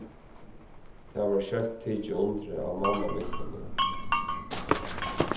tað varð skjótt tikið undir av mannamúgvuni